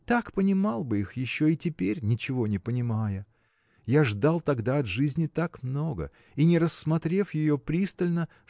так понимал бы их еще и теперь, ничего не понимая. Я ждал тогда от жизни так много и не рассмотрев ее пристально